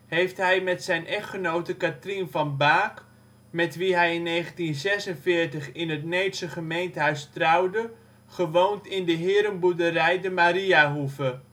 heeft hij met zijn echtgenote Cathrien van Baak, met wie hij in 1946 in het Needse gemeentehuis trouwde, gewoond in de herenboerderij de " Mariahoeve